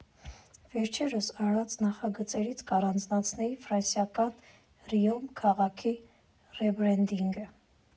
Վերջերս արված նախագծերից կառանձնացնեի ֆրանսիական Ռիոմ քաղաքի ռեբրենդինգը։